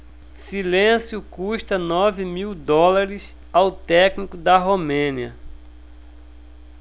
silêncio custa nove mil dólares ao técnico da romênia